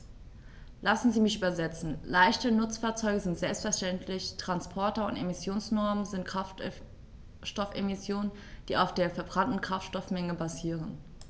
Lassen Sie mich übersetzen: Leichte Nutzfahrzeuge sind selbstverständlich Transporter, und Emissionsnormen sind Kraftstoffemissionen, die auf der verbrannten Kraftstoffmenge basieren.